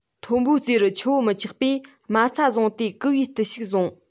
མཐོན པོའི རྩེ རུ ཆུ བོ མི ཆགས པས དམའ ས བཟུང སྟེ གུས པའི བརྟུལ ཞུགས ཟུང